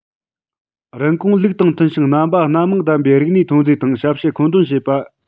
རིན གོང ལུགས དང མཐུན ཞིང རྣམ པ སྣ མང ལྡན པའི རིག གནས ཐོན རྫས དང ཞབས ཞུ མཁོ འདོན བྱེད པ